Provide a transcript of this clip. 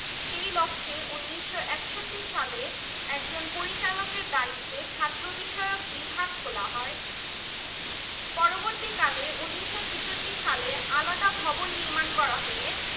পরবর্তীকালে ১৯৪০ সালের territorial forces act অনুযায়ী ১৯৫০ সালে গঠিত হয় ইউওটিসি ব্যাটালিয়ন ছাত্রদের বিনা বেতনে সামরিক প্রশিক্ষণ দেওয়া হতো